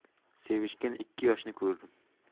sevishgan ikki yoshni ko'rdim